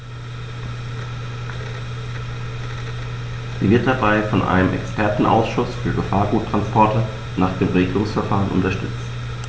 Sie wird dabei von einem Expertenausschuß für Gefahrguttransporte nach dem Regelungsverfahren unterstützt.